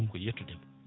ɗum ko yettudema